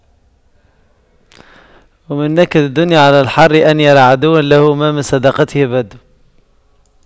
ومن نكد الدنيا على الحر أن يرى عدوا له ما من صداقته بد